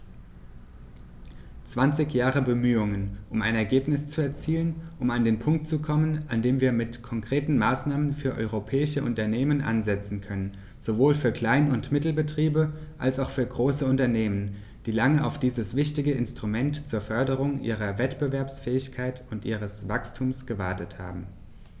Zwanzig Jahre Bemühungen, um ein Ergebnis zu erzielen, um an den Punkt zu kommen, an dem wir mit konkreten Maßnahmen für europäische Unternehmen ansetzen können, sowohl für Klein- und Mittelbetriebe als auch für große Unternehmen, die lange auf dieses wichtige Instrument zur Förderung ihrer Wettbewerbsfähigkeit und ihres Wachstums gewartet haben.